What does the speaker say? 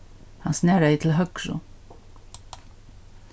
hann snaraði til høgru